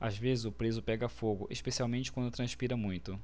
às vezes o preso pega fogo especialmente quando transpira muito